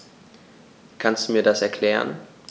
Kannst du mir das erklären?